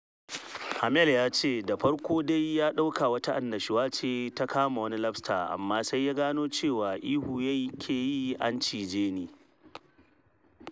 Hammel ya ce da farko ya ɗauka wata annishuwa ce ta kama wani lobster, amma sai ya “gano cewa ihu yake yi, ‘An cije ni!